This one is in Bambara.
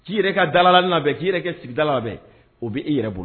K'i yɛrɛ ka dalalani labɛn, k'i yɛrɛ ka sigida labɛn. O bɛ i yɛrɛ bolo.